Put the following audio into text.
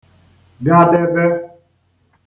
gadebe